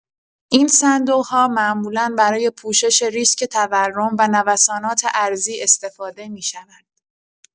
این صندوق‌ها معمولا برای پوشش ریسک تورم و نوسانات ارزی استفاده می‌شوند.